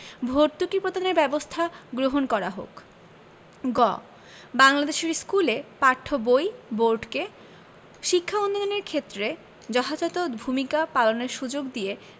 ভর্তুকি প্রদানের ব্যবস্থা গ্রহণ করা হোক গ বাংলাদেশের স্কুলে পাঠ্য বই বোর্ডকে শিক্ষা উন্নয়নের ক্ষেত্রে যথাযথ ভূমিকা পালনের সুযোগ দিয়ে